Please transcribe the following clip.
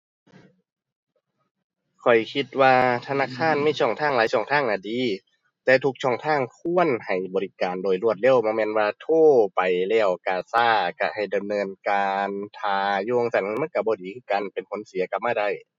ข้อยคิดว่าธนาคาร มีช่องทางหลายช่องทางน่ะดี แต่ทุกช่องทางควรให้บริการโดยรวดเร็ว บ่แม่นว่าโทรไปแล้วก็ก็ ก็ให้ดำเนินการ ท่าอยู่จั่งซั้นมันก็บ่ดีคือกัน เป็นผลเสียกลับมาได้